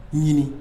Ɲinin